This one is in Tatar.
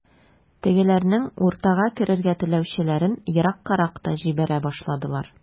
Тегеләрнең уртага керергә теләүчеләрен ераккарак та җибәрә башладылар.